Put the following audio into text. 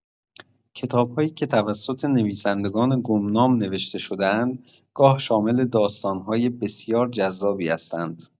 کتاب‌هایی که توسط نویسندگان گمنام نوشته شده‌اند، گاه شامل داستان‌های بسیار جذابی هستند.